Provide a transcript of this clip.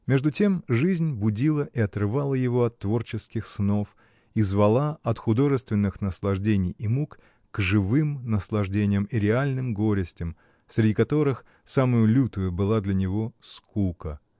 Между тем жизнь будила и отрывала его от творческих снов и звала от художественных наслаждений и мук к живым наслаждениям и реальным горестям, среди которых самою лютою была для него скука.